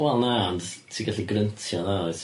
Wel na, ond ti gallu gryntio'n dda wyt?